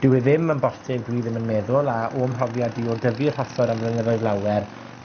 Dyw e ddim yn bosib, dwi ddim yn meddwl, a, o'm mhrofiad i o dyfi rhosod am flynyddoedd lawer,